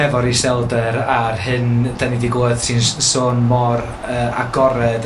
efo'r iselder ar hyn 'dyn ni 'di glwed ti'n s- sôn mor agored